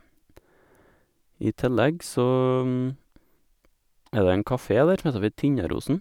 I tillegg så er det en kafé der, som heter for Tinnarosen.